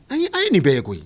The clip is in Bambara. Ayi a ye nin bɛɛ ye koyi